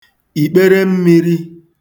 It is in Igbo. ìkpere mmīrī